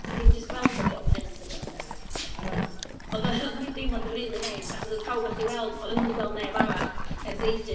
A dim jyst gweld pobl. Ma' hyn yn swnio'n yy peth 'na rŵan, ond oedd yy oedd 'na ryw deimlad rili neis. Achos oedd pawb o'ch chdi'n weld, oedden nhw'm 'di gweld neb arall ers ages.